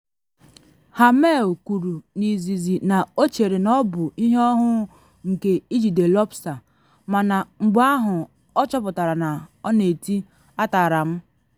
Hammel kwuru n’izizi na ọ chere na ọ bụ ihe ọhụụ nke ijide lọbsta, mana mgbe ahụ ọ “chọpụtara na ọ na eti, “atara m!